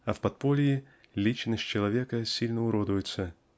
а в подполье личность человека сильно уродуется.